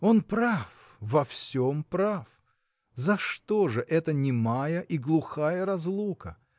Он прав, во всем прав: за что же эта немая и глухая разлука?